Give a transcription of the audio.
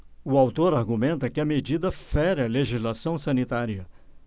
o autor argumenta que a medida fere a legislação sanitária